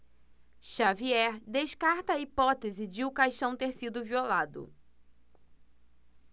xavier descarta a hipótese de o caixão ter sido violado